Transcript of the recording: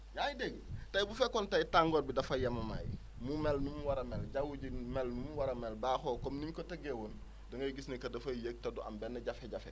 yaa ngi dégg tey bu fekkoon tey tàngoor bi dafa yemamaay mu mel nu mu war a mel jaww ji nu mel nu mu war a mel baaxoo comme ni ñu ko tëggeewoon da ngay gis ne que dafay yéeg te du am benn jafe-jafe